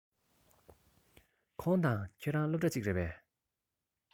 ཁོང དང ཁྱོད རང སློབ གྲྭ གཅིག རེད པས